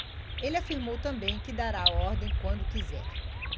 ele afirmou também que dará a ordem quando quiser